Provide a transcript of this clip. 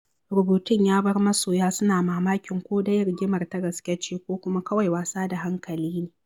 Rubutun ya bar masoya suna mamakin ko dai rigimar ta gaske ce ko kuma kawai wasa da hankali ne